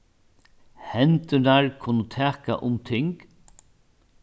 hendurnar kunnu taka um ting